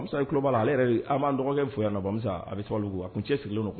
Saba ale yɛrɛ' dɔgɔkɛ fo yanmi a bɛ tɔgɔ a cɛ sigilen nɔ